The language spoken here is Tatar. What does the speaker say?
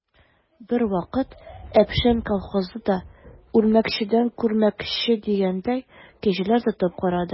Бервакыт «Әпшән» колхозы да, үрмәкчедән күрмәкче дигәндәй, кәҗәләр тотып карады.